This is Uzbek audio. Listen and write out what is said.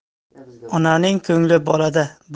onaning ko'ngh bolada